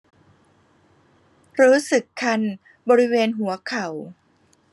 รู้สึกคันบริเวณหัวเข่า